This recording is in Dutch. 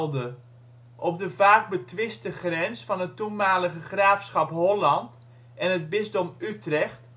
de (vaak betwiste) grens van het toenmalige graafschap Holland en het Bisdom Utrecht